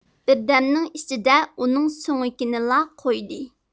بىردەمنىڭ ئىچىدە ئۇنىڭ سۆڭىكىنىلا قويدى